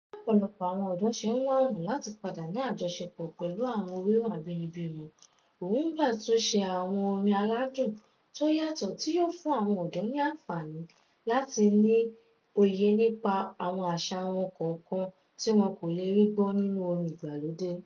Bí ọ̀pọ̀ àwọn ọ̀dọ́ ṣe ń wá ọ̀nà láti padà ní àjọsepọ̀ pẹ̀lú àwọn orírun abínibí wọn, Rhumba tún ṣe àwọn orin aládùn tó yàtọ̀ tí yòó fún àwọn ọ̀dọ̀ ní àǹfààní láti ni òye nípa àwọn àṣà wọn kọ̀ọ̀kan tí wọ́n kò lè rí gbọ́ nínú orin ìgbàlódé.